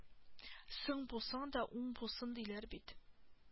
Соң булсаң да уң булсын диләр бит